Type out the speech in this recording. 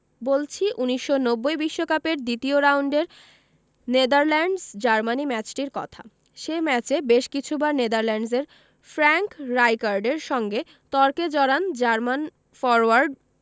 বলছি ১৯৯০ বিশ্বকাপের দ্বিতীয় রাউন্ডের নেদারল্যান্ডস জার্মানি ম্যাচটির কথা সে ম্যাচে বেশ কিছুবার নেদারল্যান্ডসের ফ্র্যাঙ্ক রাইকার্ডের সঙ্গে তর্কে জড়ান জার্মান ফরোয়ার্ড